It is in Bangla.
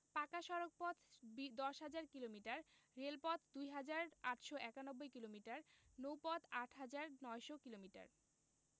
পাকা সড়কপথ ১০হাজার কিলোমিটার রেলপথ ২হাজার ৮৯১ কিলোমিটার নৌপথ ৮হাজার ৯০০ কিলোমিটার